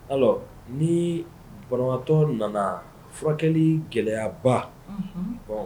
Ayiwa ni bamatɔ nana furakɛli gɛlɛyaba bɔn